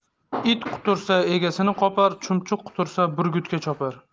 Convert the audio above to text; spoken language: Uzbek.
it qutursa egasini qopar chumchuq qutursa buigutga chopar